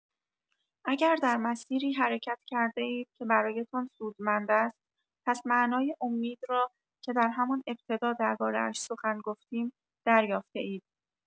اگر در مسیری حرکت کرده‌اید که برایتان سودمند است، پس معنای امید را، که در همان ابتدا درباره‌اش سخن گفتیم، دریافته‌اید.